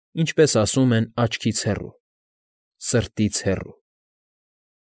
Ինչպես ասում են՝ աչքից հեռու… սրտից հեռու։